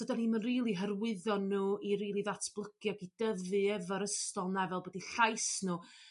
So do'n ni'm yn rili hyrwyddo nw i rili ddatblygu ag i dyddfu eo'r ystol 'na fel bod 'u llais nw